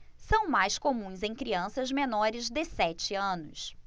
são mais comuns em crianças menores de sete anos